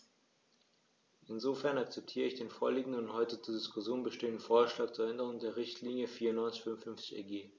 Insofern akzeptiere ich den vorliegenden und heute zur Diskussion stehenden Vorschlag zur Änderung der Richtlinie 94/55/EG.